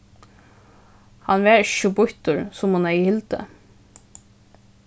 hann var ikki so býttur sum hon hevði hildið